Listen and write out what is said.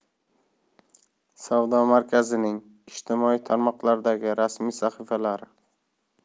savdo markazining ijtimoiy tarmoqlardagi rasmiy sahifalari